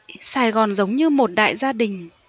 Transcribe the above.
chị sài gòn giống như một đại gia đình